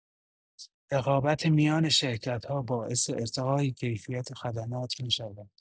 رقابت میان شرکت‌ها باعث ارتقای کیفیت خدمات می‌شود.